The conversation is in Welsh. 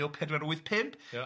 ...mil pedwar wyth pump. Ia.